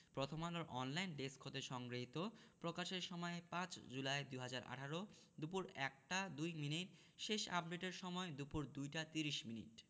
প্রথমআলোর online desk হতে সংগৃহীত প্রকাশের সময় ৫ জুলাই ২০১৮ দুপুর ১টা ২মিনিট শেষ আপডেটের সময় দুপুর ২টা ৩০ মিনিট